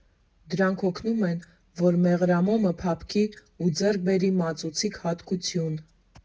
Դրանք օգնում են, որ մեղրամոմը փափկի ու ձեռք բերի մածուցիկ հատկություն։